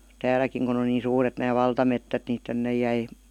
täälläkin kun on niin suuret nämä valtametsät niin tänne jäi